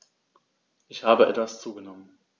Ich habe etwas zugenommen